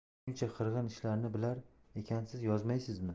shuncha qirg'in ishlarni bilar ekansiz yozmaysizmi